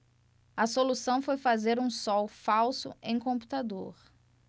a solução foi fazer um sol falso em computador